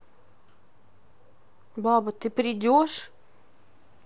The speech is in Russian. баба ты приедешь